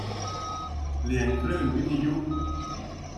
เปลี่ยนคลื่นวิทยุ